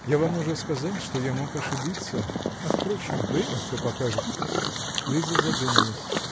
-- Я вам уже сказал, что я мог ошибиться; а впрочем, время все покажет. Лиза задумалась.